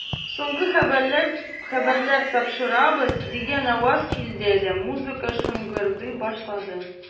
Соңгы хәбәрләр тапшырабыз, дигән аваз килде дә, музыка шыңгырдый башлады.